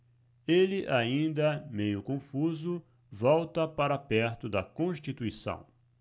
ele ainda meio confuso volta para perto de constituição